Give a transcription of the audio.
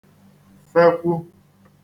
-fekwū